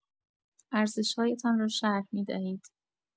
ارزش‌هایتان را شرح می‌دهید.